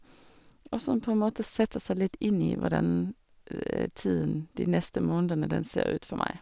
Og sånn på en måte sette seg litt inn i hvordan tiden de neste månedene den ser ut for meg.